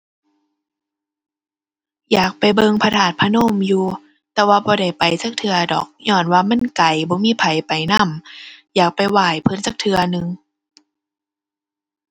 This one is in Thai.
อยากไปเบิ่งพระธาตุพนมอยู่ แต่ว่าบ่ได้ไปจักเทื่อดอก ญ้อนว่ามันไกล บ่มีไผไปนำ อยากไปไหว้เพิ่นจักเทื่อหนึ่ง